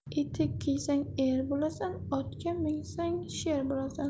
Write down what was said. etik kiysang er bo'lasan otga minsang sher bo'lasan